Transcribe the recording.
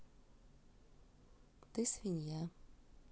ты свинья